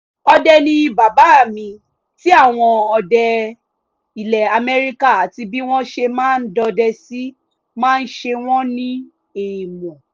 Ọdẹ ni bàbá mi tí àwọn ọdẹ ilẹ̀ America àti bí wọ́n ṣe máa ń dọdẹ sì máa ń ṣe wọ́n ní èèmọ̀.